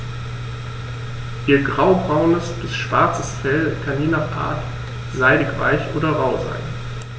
Ihr graubraunes bis schwarzes Fell kann je nach Art seidig-weich oder rau sein.